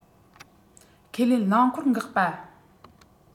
ཁས ལེན རླངས འཁོར འགག པ